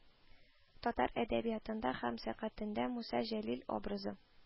Татар әдәбиятында һәм сәнгатендә Муса Җәлил образы